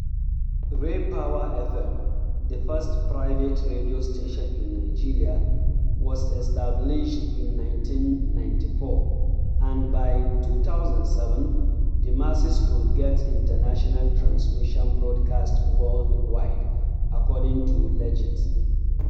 RayPower FM, the first private radio station in Nigeria, was established in 1994, and by 2007, the masses could get international transmission broadcast worldwide, according to Legit.